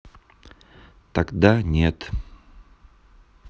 тогда нет